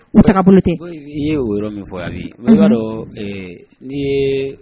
U tana bolo tɛ. i ye o yɔrɔ min fɔ yan i ba dɔn ɛɛ ni ye